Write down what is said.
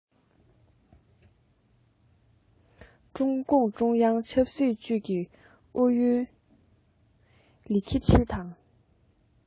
ཀྲུང གུང ཀྲུང དབྱང ཆབ སྲིད ཅུས ཀྱི རྒྱུན ཨུ ལི ཁེ ཆང དང